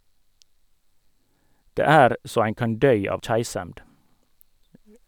Det er så ein kan døy av keisemd.